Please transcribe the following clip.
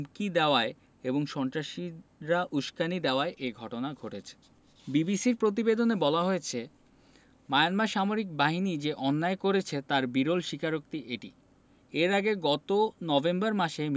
বৌদ্ধ ধর্মাবলম্বী গ্রামবাসীকে হুমকি দেওয়ায় এবং সন্ত্রাসীরা উসকানি দেওয়ায় এ ঘটনা ঘটেছে বিবিসির প্রতিবেদনে বলা হয়েছে মিয়ানমার সামরিক বাহিনী যে অন্যায় করেছে তার বিরল স্বীকারোক্তি এটি